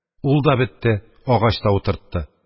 Ул да бетте, агач та утыртты.